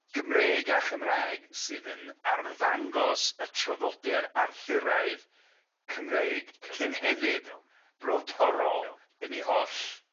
Gymreig a Chymraeg sydd yn arddangos y traddodiad Arthuraidd Cymreig cynhennid... Iawn ...brodorol... Iawn. ...yn ei holl